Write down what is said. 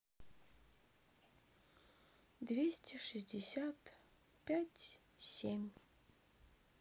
двести шестьдесят пять семь